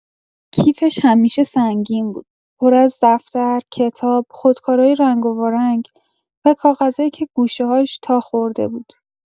کیفش همیشه سنگین بود، پر از دفتر، کتاب، خودکارای رنگ‌وارنگ و کاغذایی که گوشه‌هاش تا خورده بود.